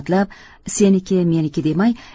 hurmatlab seniki meniki demay